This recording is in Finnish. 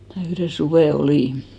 minä yhden suven olin